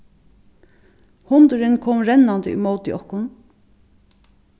hundurin kom rennandi ímóti okkum